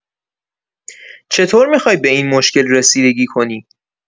چطور می‌خوای به این مشکل رسیدگی کنی؟